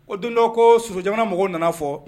Ko don dɔ ko, Soso jamana mɔgɔw nana fɔ